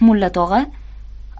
mulla tog'a